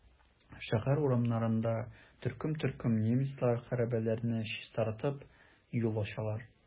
Шәһәр урамнарында төркем-төркем немецлар хәрабәләрне чистартып, юл ачалар.